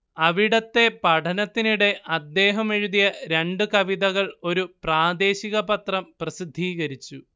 അവിടത്തെ പഠനത്തിനിടെ അദ്ദേഹം എഴുതിയ രണ്ടു കവിതകൾ ഒരു പ്രാദേശിക പത്രം പ്രസിദ്ധീകരിച്ചു